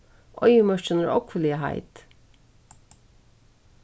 oyðimørkin er ógvuliga heit